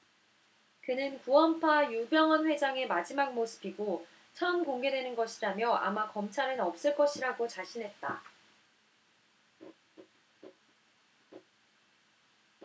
그는 구원파 유병언 회장의 마지막 모습이고 처음 공개되는 것이라며 아마 검찰은 없을 것이라고 자신했다